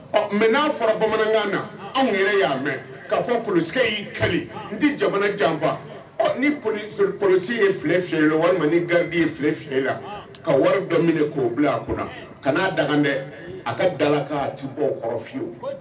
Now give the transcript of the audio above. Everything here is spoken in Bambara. Ɔ mɛ n'a fɔra bamanankan na anw yɛrɛ y' mɛn kaa fɔ kɔlɔsi y'i ka n tɛ jamana janfa ni kɔlɔsi ye fi walima ni gaki ye filɛ fi ka wari dɔ min k'o bila a kunna ka n'a daga dɛ a ka dala kan a tɛ bɔ kɔrɔ fiye